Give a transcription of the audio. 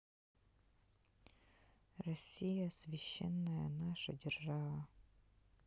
россия священная наша держава